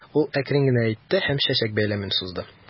Ул әкрен генә әйтте һәм чәчәк бәйләмен сузды.